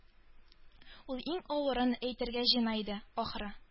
Ул иң авырын әйтергә җыена иде, ахры